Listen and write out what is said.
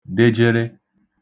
dejere